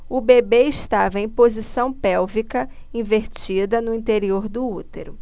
o bebê estava em posição pélvica invertida no interior do útero